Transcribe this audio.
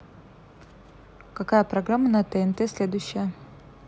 какая программа на тнт следующая